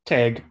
Teg.